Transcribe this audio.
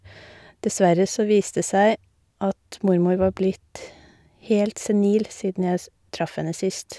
Dessverre så viste det seg at mormor var blitt helt senil siden jeg s traff henne sist.